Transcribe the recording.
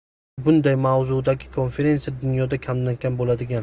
chunki bunday mavzudagi konferensiya dunyoda kamdan kam bo'ladigan